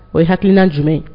O ye hakiliina jumɛn ye?